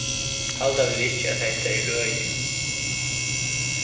halda tit ikki at hetta er løgið